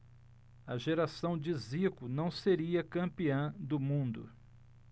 a geração de zico não seria campeã do mundo